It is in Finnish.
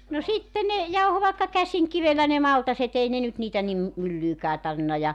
no sitten ne jauhoi vaikka käsinkivellä ne maltaat ei nyt niitä niin myllyynkään tarvinnut ja